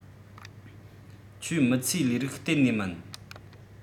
ཁྱོའི མི ཚེའི ལས རིགས གཏན ནས མིན